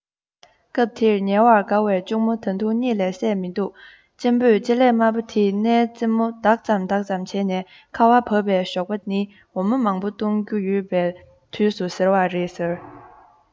སྐབས དེར ཉལ བར དགའ བའི གཅུང མོ ད དུང གཉིད ལས སད མི འདུག གཅེན པོས ལྕེ ལེབ དམར པོ དེས སྣའི རྩེ མོ ལྡག ཙམ ལྡག ཙམ བྱས ནས ཁ བ བབས པའི ཞོགས པ ནི འོ མ མང པོ བཏུང རྒྱུ ཡོད པའི དུས སུ ཟེར བ རེད ཟེར